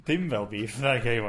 Dim fel beef nage Iwan.